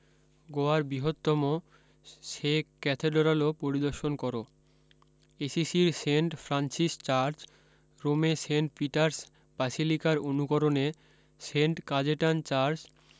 গোয়ার বৃহত্তম সে ক্যাথেডরালও পরিদর্শন কর এসিসির সেন্ট ফ্রান্সিস চার্চ রোমে সেন্ট পিটারস বাসিলিকার অনুকরনে সেন্ট কাজেটান চার্চ